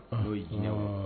N'o ye jinɛ